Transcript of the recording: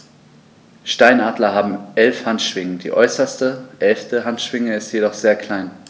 Steinadler haben 11 Handschwingen, die äußerste (11.) Handschwinge ist jedoch sehr klein.